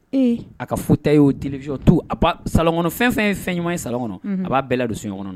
Ee a ka futa y'o diyeo to a sa kɔnɔ fɛn fɛn ye fɛn ɲuman ye sa kɔnɔ a b'a bɛɛlɛ don so ɲɔgɔn kɔnɔ na